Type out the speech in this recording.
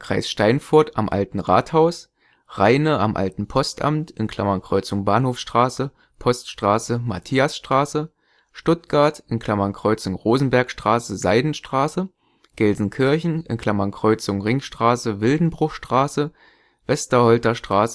(Kreis Steinfurt) am alten Rathaus, Rheine am alten Postamt (Kreuzung Bahnhofstraße, Poststraße, Mathiasstraße), Stuttgart (Kreuzung Rosenbergstraße/Seidenstraße), Gelsenkirchen (Kreuzung Ringstraße/Wildenbruchstraße, Westerholter Straße/De-la-Chevallerie-Straße